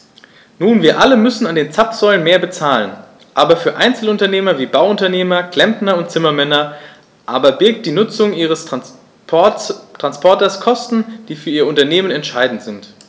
Nun wir alle müssen an den Zapfsäulen mehr bezahlen, aber für Einzelunternehmer wie Bauunternehmer, Klempner und Zimmermänner aber birgt die Nutzung ihres Transporters Kosten, die für ihr Unternehmen entscheidend sind.